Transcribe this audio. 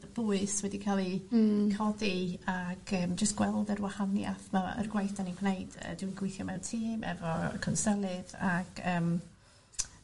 ...bwys wedi ca'l 'i... Hmm. ...codi ag yym jyst gweld yr wahaniath 'ma yr gwaith 'dan ni'n gwneud yy dwi'n gweithio mewn tîm efo cynselydd ag yym